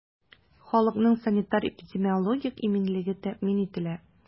Халыкның санитар-эпидемиологик иминлеге тәэмин ителә.